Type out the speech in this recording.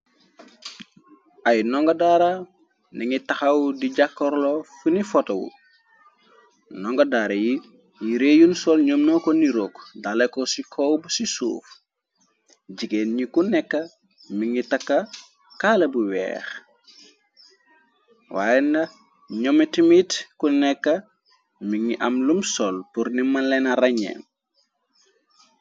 ay ndongo daara ni ngi taxaw di jàkkorlo funi fotowu ndongodaara yi yi réeyun sol ñoomno ko nirook dale ko ci kow b ci suuf jigéen ñi ku nekka mi ngi takka kaala bu weex waayé na ñomi timit ku nekka mi ngi am lum sol purni manleena rañee